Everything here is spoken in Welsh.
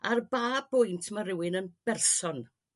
Ar ba bwynt ma' rywun yn berson?